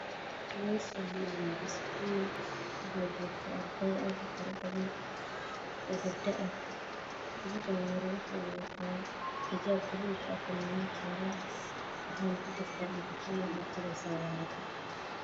Meeshaan waa iskuul waxaa dhigto arday farabadan oo gabdho ah gabadhaan yar wuxuu qoreysaa imtixaan